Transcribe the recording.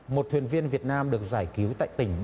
một thuyền viên việt nam được giải cứu tại tỉnh